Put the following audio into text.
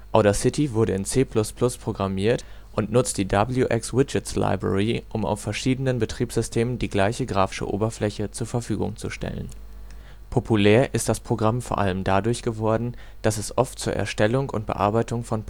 Audacity wurde in C++ programmiert und nutzt die wxWidgets-Library, um auf verschiedenen Betriebssystemen die gleiche grafische Oberfläche zur Verfügung zu stellen. Populär ist das Programm vor allem dadurch geworden, dass es oft zur Erstellung und Bearbeitung von